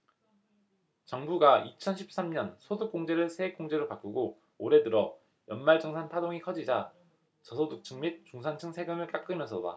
정부가 이천 십 삼 년 소득공제를 세액공제로 바꾸고 올해 들어 연말정산 파동이 커지자 저소득층 및 중산층 세금을 깎으면서다